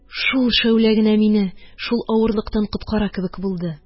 Шул шәүлә генә мине шул авырлыктан коткара кебек булды.